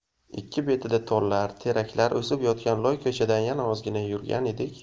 ikki betida tollar teraklar o'sib yotgan loy ko'chadan yana ozgina yurgan edik